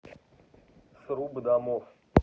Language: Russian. срубы домов